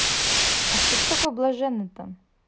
а ты что такой блаженный то